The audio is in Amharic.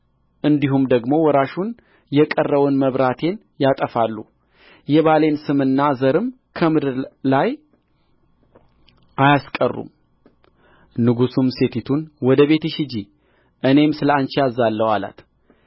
እንዲሁም ደግሞ ወራሹን የቀረውን መብራቴን ያጠፋሉ የባሌን ስምና ዘርም ከምድር ላይ አያስቀሩም ንጉሡም ሴቲቱን ወደ ቤትሽ ሂጂ እኔም ስለ አንቺ አዝዛለሁ አላት